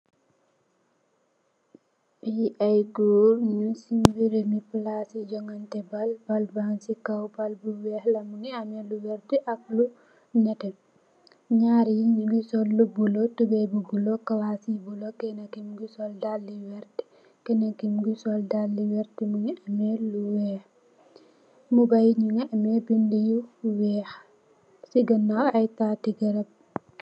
Fii ay góor ñung si bërëbu palaasi jongante Kaay bal, bal baañ si kow, bal bu weex la mu ngi am, amee lu werta ak lu, nétté, ñaari, ñu ngi sol lu bulo, tubooy bu bulo, kawaasi bulo. Keena ki mu ngi sol daali yu werta, keena ki mu ngi sol daali werta mu ngi am lu weex, mbuba yi ñu ngi amee lu weex, si ganaaw, ay taati garab.